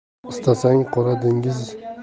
istasang qora dengiz